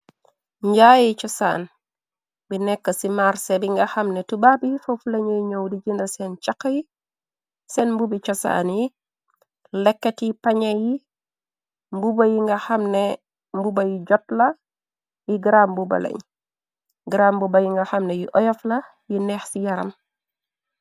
Njaayi chosaan bu nekk ci màrsé bi nga xamne tubaab yi fof lañuy ñoow di jëna nda seen chaq yi. Seen mbubi chosaan yi lekkat yi pañe yi mbuba yi nga xamne mbuba y jot la yi gram buba lañ gram buba yi nga xamne yu oyofla yi neex ci yaram.